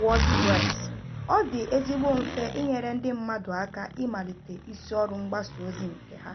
Wodpresi, ọ dị ezigbo mfe ịnyere ndị mmadụ aka ịmalite isi ọrụ mgbasa ozi nke ha.